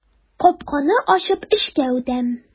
Капканы ачып эчкә үтәм.